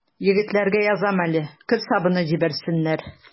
Егетләргә язам әле: кер сабыны җибәрсеннәр.